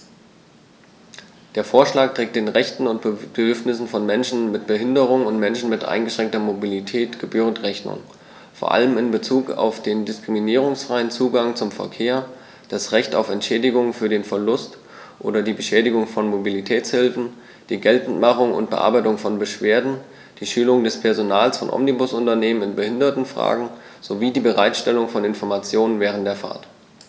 Der Vorschlag trägt den Rechten und Bedürfnissen von Menschen mit Behinderung und Menschen mit eingeschränkter Mobilität gebührend Rechnung, vor allem in Bezug auf den diskriminierungsfreien Zugang zum Verkehr, das Recht auf Entschädigung für den Verlust oder die Beschädigung von Mobilitätshilfen, die Geltendmachung und Bearbeitung von Beschwerden, die Schulung des Personals von Omnibusunternehmen in Behindertenfragen sowie die Bereitstellung von Informationen während der Fahrt.